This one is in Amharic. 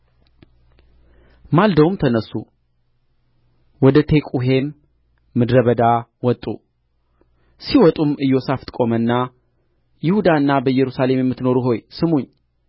ማልደውም ተነሡ ወደ ቴቁሔም ምድረ በዳ ወጡ ሲወጡም ኢዮሣፍጥ ቆመና ይሁዳና በኢየሩሳሌም የምትኖሩ ሆይ ስሙኝ በአምላካችሁ